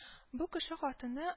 Бу кеше хатыны